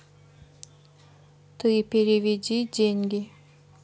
ты переведи деньги